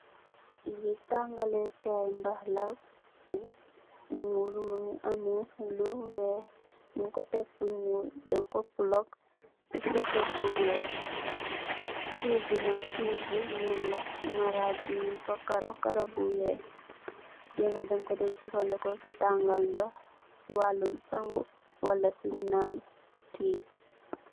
Lee tangale kaye ndox la bu nuul muge ameh lu weex nugku tek fu nuul dang ku polug se suket bu weex felebe nak fele bu nuul la marag be nugku karou karou bu weex lee nak dang ku de jufaneku se tangal ndox se walum sagu wala se nann tee.